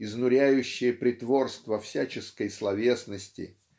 изнуряющее притворство всяческой словесности